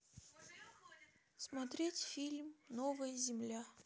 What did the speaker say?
смотреть фильм новая земля